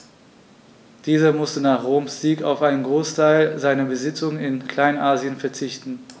Dieser musste nach Roms Sieg auf einen Großteil seiner Besitzungen in Kleinasien verzichten.